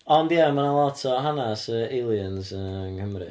ocê ond ia, ma' 'na lot o hanes yy aliens yng Nghymru.